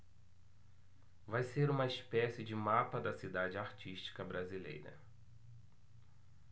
vai ser uma espécie de mapa da cidade artística brasileira